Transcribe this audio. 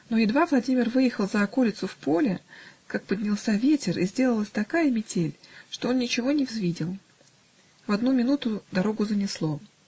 Но едва Владимир выехал за околицу в поле, как поднялся ветер и сделалась такая метель, что он ничего не взвидел. В одну минуту дорогу занесло